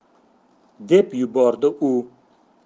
deb yubordi u